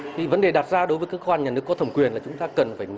thì vấn đề đặt ra đối với cơ quan nhà nước có thẩm quyền là chúng ta cần phải